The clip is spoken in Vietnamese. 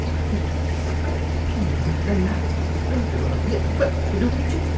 uôi kỉ vật đây á đây phải gọi là hiện vật mới đúng chứ